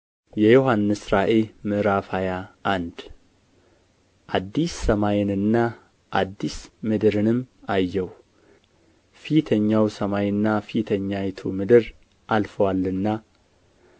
የዮሐንስ ራእይ ምዕራፍ ሃያ አንድ አዲስ ሰማይንና አዲስ ምድርንም አየሁ ፊተኛው ሰማይና ፊተኛይቱ ምድር አልፈዋልና